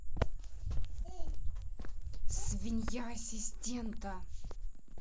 свинья ассистента